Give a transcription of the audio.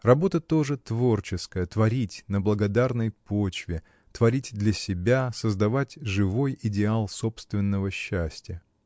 Работа тоже творческая — творить на благодарной почве, творить для себя, создавать живой идеал собственного счастья.